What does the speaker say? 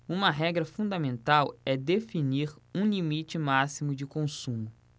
uma regra fundamental é definir um limite máximo de consumo